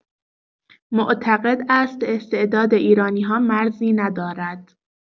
معتقد است استعداد ایرانی‌‌ها مرزی ندارد.